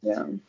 Iawn.